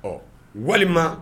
Ɔ, walima